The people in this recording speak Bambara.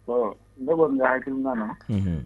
Ɔ mɔgɔ akikan na